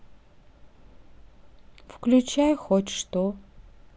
включай хоть что